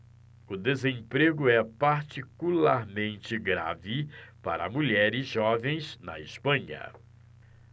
o desemprego é particularmente grave para mulheres jovens na espanha